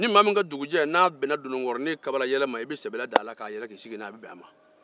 ni maa min ka dugujɛ bɛnna dononkɔrɔnin kabalayɛlɛn ma i bɛ sebɛlɛn da a l ka yɛlɛn k'i sigi a kan